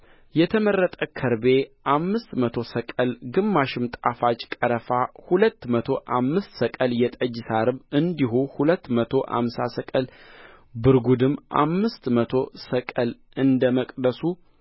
የተመረጠ ከርቤ አምስት መቶ ሰቅል ግማሽም ጣፋጭ ቀረፋ ሁለት መቶ አምሳ ሰቅል የጠጅ ሣርም እንዲሁ ሁለት መቶ አምሳ ሰቅል ብርጕድም አምስት መቶ ሰቅል እንደ መቅደሱ